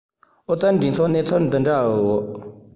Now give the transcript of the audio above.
ཨོ རྩལ འགྲན ཚོགས གནས ཚུལ འདི འདྲའི འོག